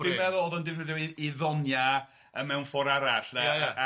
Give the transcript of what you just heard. dwi'n meddwl oedd o'n defnyddio ei ddonia yy mewn ffor' arall... Ia ia ia.